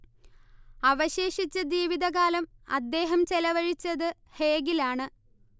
അവശേഷിച്ച ജീവിതകാലം അദ്ദേഹം ചെലവഴിച്ചത് ഹേഗിലാണ്